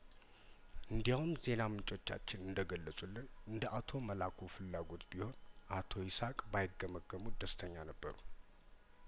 እንዲያውም ዜናምንጮቻችን እንደገለጹ ልን እንደአቶ መላኩ ፍላጐት ቢሆን አቶ ይስሀቅ ባይገመገሙ ደስተኛ ነበሩ